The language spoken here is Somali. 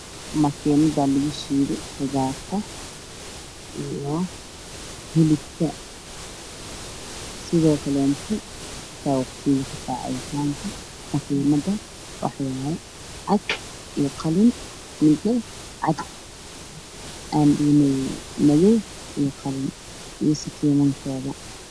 Bac ayaa saaran cunug gacmaha shaatiga cunuga caddaan dhulka waa madow darbigan waa cagaar iyo guud